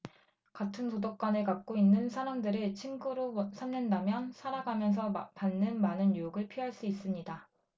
같은 도덕관을 갖고 있는 사람들을 친구로 삼는다면 살아가면서 받는 많은 유혹을 피할 수 있습니다